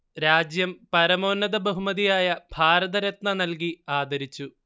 രാജ്യം പരമോന്നത ബഹുമതിയായ ഭാരതരത്ന നൽകി ആദരിച്ചു